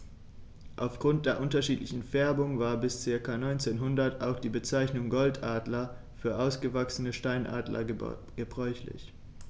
Auf Grund der unterschiedlichen Färbung war bis ca. 1900 auch die Bezeichnung Goldadler für ausgewachsene Steinadler gebräuchlich.